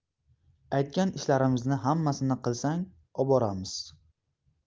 aytgan ishlarimizni hammasini qilsang oboramiz